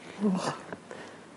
O.